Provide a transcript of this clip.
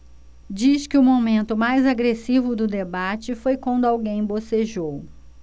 diz que o momento mais agressivo do debate foi quando alguém bocejou